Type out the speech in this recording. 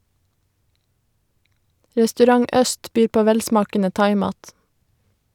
Restaurant Øst byr på velsmakende thaimat.